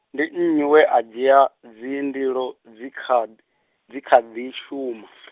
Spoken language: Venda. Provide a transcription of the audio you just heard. ndi nnyi we a dzhia, dzi ndilo dzi kha d-, dzi kha ḓi shuma?